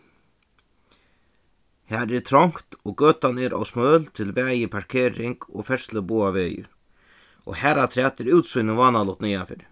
har er trongt og gøtan er ov smøl til bæði parkering og ferðslu báðar vegir og harafturat er útsýnið vánaligt niðanfyri